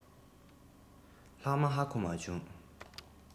ལྷག མེད ཧ གོ མ བྱུང